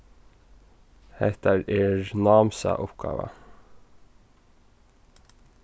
hetta er námsa uppgáva